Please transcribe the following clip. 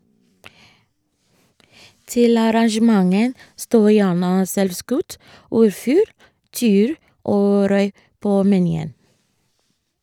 Til arrangementer står gjerne selvskutt orrfugl , tiur og røy på menyen.